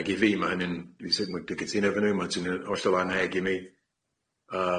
Ag i fi ma' hynny'n dwi'n sic- ma' dwi'n cytuno efo nw ma' ti'n yn hollol anheg i mi,